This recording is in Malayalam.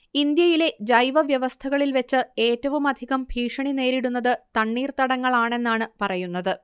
ഇന്ത്യയിലെ ജൈവവ്യവസ്ഥകളിൽ വെച്ച് ഏറ്റവുമധികം ഭീഷണിനേരിടുന്നത് തണ്ണീർതടങ്ങളാണെന്നാണ് പറയുന്നത്